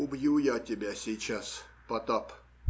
- Убью я тебя сейчас, Потап.